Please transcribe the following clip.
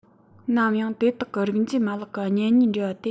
ནམ ཡང དེ དག གི རིགས འབྱེད མ ལག གི གཉེན ཉེའི འབྲེལ བ སྟེ